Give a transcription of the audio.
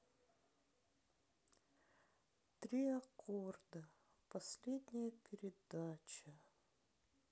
три аккорда последняя передача